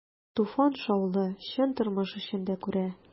Туфан шаулы, чын тормыш эчендә күрә.